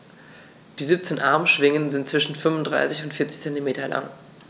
Die 17 Armschwingen sind zwischen 35 und 40 cm lang.